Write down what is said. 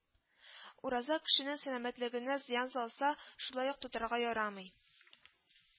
Ураза кешенең сәламәтлегенә зыян салса шулай ук тотарга ярамый